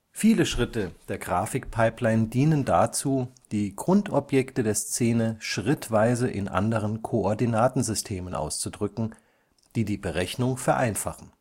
Viele Schritte der Grafikpipeline dienen dazu, die Grundobjekte der Szene schrittweise in anderen Koordinatensystemen auszudrücken, die die Berechnung vereinfachen